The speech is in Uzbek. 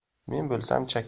men bo'lsam chakkaga